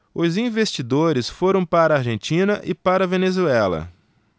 os investidores foram para a argentina e para a venezuela